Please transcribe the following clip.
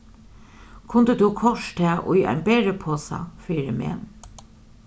kundi tú koyrt tað í ein beriposa fyri meg